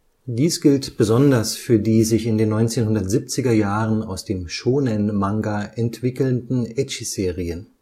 Dies gilt besonders für die sich in den 1970er Jahren aus dem Shōnen-Manga entwickelnden Etchi-Serien